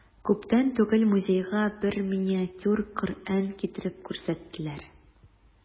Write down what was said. Күптән түгел музейга бер миниатюр Коръән китереп күрсәттеләр.